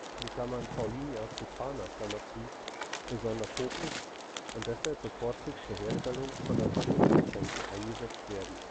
Guaraná (Paullinia cupana) – besonders hoch ist und deshalb bevorzugt zur Herstellung von Erfrischungsgetränken eingesetzt werden